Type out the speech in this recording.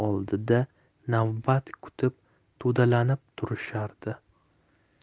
oldida navbat kutib to'dalanib turishardi